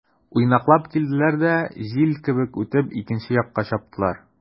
Уйнаклап килделәр дә, җил кебек үтеп, икенче якка чаптылар.